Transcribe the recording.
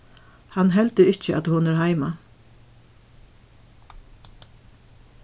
hann heldur ikki at hon er heima